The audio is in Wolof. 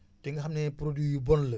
te nga xam ne produit bon la